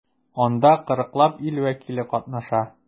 Анда 40 лап ил вәкиле катнаша.